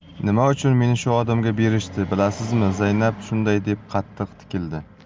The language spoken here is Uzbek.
nima uchun meni shu odamga berishdi bilasizmi zaynab shunday deb qattiq tikildi